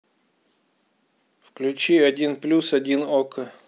включи один плюс один окко